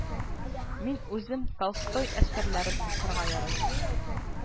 Мин үзем Толстой әсәрләрен укырга яратам